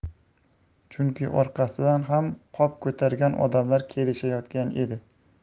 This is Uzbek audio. chunki orqasidan ham qop ko'targan odamlar kelishayotgan edi